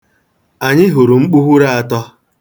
Anyị hụrụ mkpughuru atọ.